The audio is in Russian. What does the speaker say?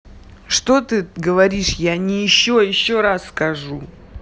что ты говоришь я не еще еще раз скажу